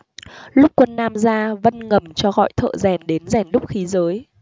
lúc quân nam ra vân ngầm cho gọi thợ rèn đến rèn đúc khí giới